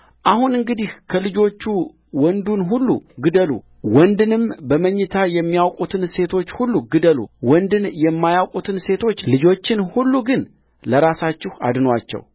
አሁን እንግዲህ ከልጆቹ ወንዱን ሁሉ ግደሉ ወንድንም በመኝታ የሚያውቁትን ሴቶች ሁሉ ግደሉወንድን የማያውቁትን ሴቶች ልጆችን ሁሉ ግን ለራሳችሁ አድኑአቸው